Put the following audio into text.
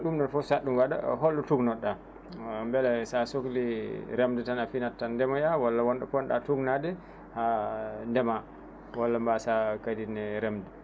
ɗum ɗo foof saɗa ɗum waɗa holɗo tumnoto ɗa beele sa sohli remde tan a finat tan ndemoya walla wonɗo ponnoɗa tumnade haa ndema walla mbasa kadi ne remde